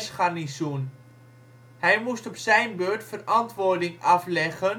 garnizoen. Hij moest op zijn beurt verantwoording aflegger